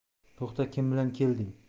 to'xta kim bilan kelding